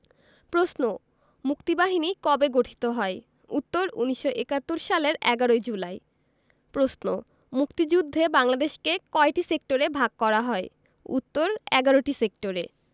প্রশ্ন মুক্তিবাহিনী কবে গঠিত হয় উত্তর ১৯৭১ সালের ১১ জুলাই প্রশ্ন মুক্তিযুদ্ধে বাংলাদেশকে কয়টি সেক্টরে ভাগ করা হয় উত্তর ১১টি সেক্টরে